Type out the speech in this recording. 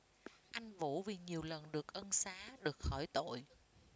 anh vũ vì nhiều lần được ân xá được khỏi tội